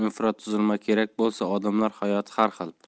infratuzilma kerak bo'lsa odamlar hayot har xil